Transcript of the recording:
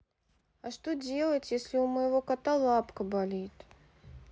а что делать если у моего кота лапка болит